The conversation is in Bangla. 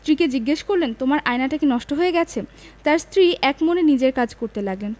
স্ত্রীকে জিজ্ঞেস করলেন তোমার আয়নাটা কি নষ্ট হয়ে গেছে তাঁর স্ত্রী একমনে নিজের কাজ করতে লাগলেন